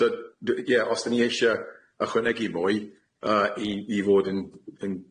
So dwi- ie os y'n 'i ishe ychwanegu mwy yy i i fod yn yn